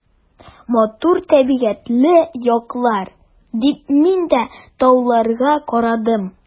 Матур табигатьле яклар, — дип мин дә тауларга карадым.